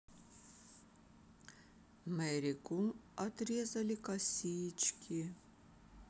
mary gu отрезали косички